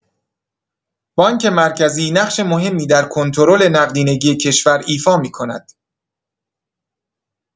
بانک مرکزی نقش مهمی در کنترل نقدینگی کشور ایفا می‌کند.